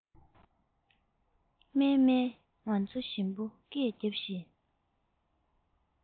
མཱ མཱ ང ཚོ བཞི པོ སྐད རྒྱག བཞིན